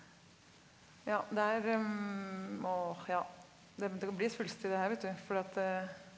ja der må ja det det bli svulstig det her vet du fordi at.